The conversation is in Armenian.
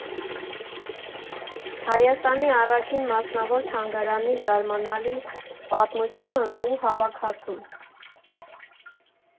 Հայաստանի առաջին մասնավոր թանգարանի զարմանալի պատմությունն ու հավաքածուն։